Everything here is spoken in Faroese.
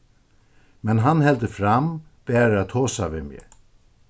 men hann heldur fram bara at tosa við meg